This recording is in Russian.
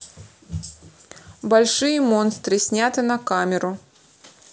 большие монстры снято на камеру